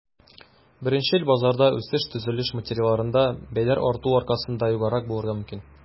Беренчел базарда үсеш төзелеш материалларына бәяләр арту аркасында югарырак булырга мөмкин.